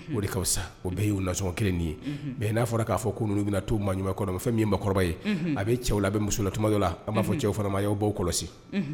O de saa ,o bɛɛ yu nasɔngɔ kelen nin ye .Ee na fɔra ka fɔ ko nunun be na tu ma ɲuman kɔnɔ, fɛn min ye maa kɔrɔba ye a bɛ cɛw la a bɛ muso la. Tuma dɔw la an ba fɔ cɛw fana ma a ya baw kɔlɔsi.